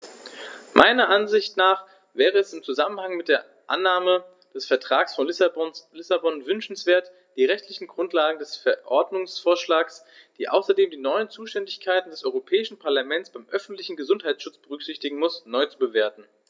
Meiner Ansicht nach jedoch wäre es im Zusammenhang mit der Annahme des Vertrags von Lissabon wünschenswert, die rechtliche Grundlage des Verordnungsvorschlags, die außerdem die neuen Zuständigkeiten des Europäischen Parlaments beim öffentlichen Gesundheitsschutz berücksichtigen muss, neu zu bewerten.